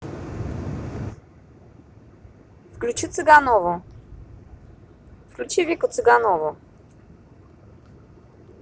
включи вику цыганову